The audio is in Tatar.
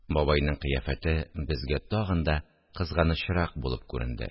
Бабайның кыяфәте безгә тагын да кызганычрак булып күренде